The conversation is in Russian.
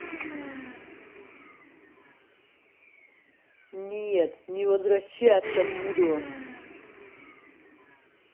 нет не возвращаться буду